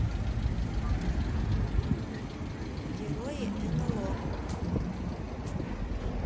герои нло